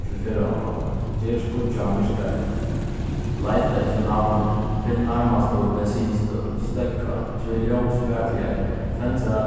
til ferðamál ger skíggjan myrkari leita eftir navni finn nærmastu bensinstøð støðga ger ljóð spakuligari tendra